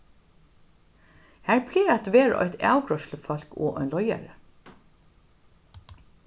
har plagar at vera eitt avgreiðslufólk og ein leiðari